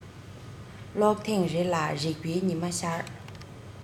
ཀློག ཐེངས རེ ལ རིག པའི ཉི མ ཤར